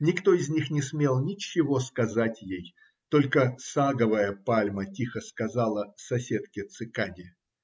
Никто из них не смел ничего сказать ей, только саговая пальма тихо сказала соседке-цикаде